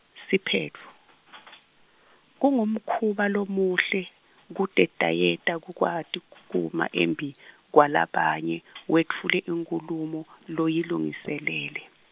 siphetfo , Kungumkhuba lomuhle, kutetayeta kukwati kuma embili kwalabanye , wetfule inkhulumo, loyilungiselele.